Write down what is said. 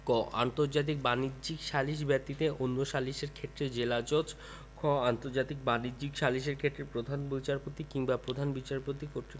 ক আন্তর্জাতিক বাণিজ্যিক সালিস ব্যতীত অন্যান্য সালিসের ক্ষেত্রে জেলাজজ খ আন্তর্জাতিক বাণিজ্যিক সালিসের ক্ষেত্রে প্রধান বিচারপতি কিংবা প্রধান বিচারপতি কর্তৃক